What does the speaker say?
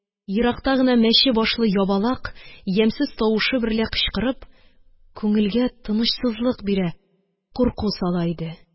Еракта гына мәче башлы ябалак, ямьсез тавышы берлә кычкырып, күңелгә тынычсызлык бирә, курку сала иде..